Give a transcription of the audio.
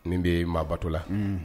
Min bɛ maabato la